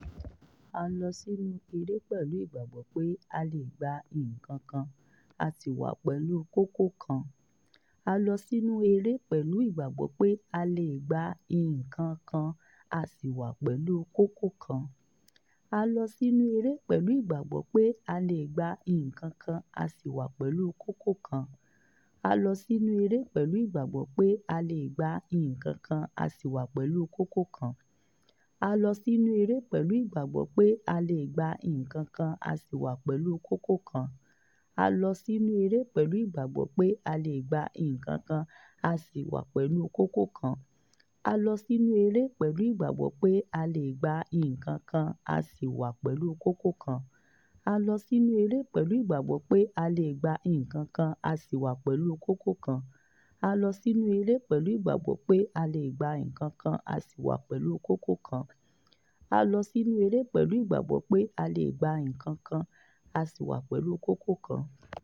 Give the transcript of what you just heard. "A lọ sínú eré pẹ̀lú ìgbàgbọ́ pé a lè gba nnkankan a sì wà pẹ̀lú kókó kan.